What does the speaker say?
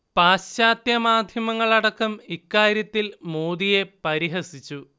പാശ്ചാത്യ മാധ്യമങ്ങള്‍ അടക്കം ഇക്കാര്യത്തിൽ മോദിയെ പരിഹസിച്ചു